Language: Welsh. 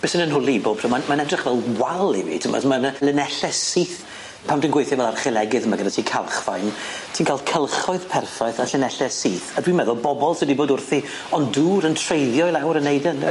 Be sy'n 'yn nhwli bob tro ma'n ma'n edrych fel wal i fi t'mod ma' fel linelle syth pan dwi'n gweithio fel archeolegydd ma' gyda ti calchfaen ti'n ca'l cylchoedd perffaith a llinelle syth a dwi'n meddwl bobol sy 'di bod wrthi ond dŵr yn treiddio i lawr yn neud ynde?